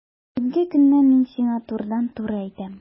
Бүгенге көннән мин сиңа турыдан-туры әйтәм: